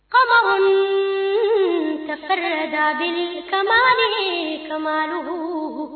Kamalensonin tɛ da kamalenin kadugu